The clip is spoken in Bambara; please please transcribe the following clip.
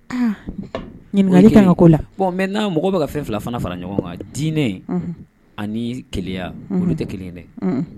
Ɲininka ka ko la mɛ n' mɔgɔ bɛka ka fɛn fila fana fara ɲɔgɔn kan diinɛ in ani ke olu tɛ kelen dɛ